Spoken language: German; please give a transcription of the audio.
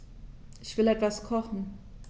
Ich will etwas kochen.